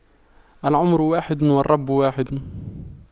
العمر واحد والرب واحد